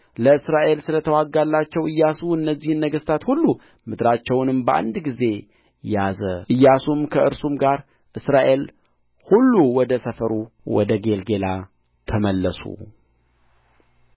ለእስራኤል ስለ ተዋጋላቸው ኢያሱ እነዚህን ነገሥታት ሁሉ ምድራቸውንም በአንድ ጊዜ ያዘ ኢያሱም ከእርሱም ጋር እስራኤል ሁሉ ወደ ሰፈሩ ወደ ጌልገላ ተመለሱ